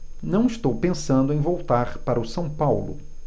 não estou pensando em voltar para o são paulo